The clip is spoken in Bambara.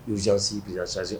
Uzsin bi ssin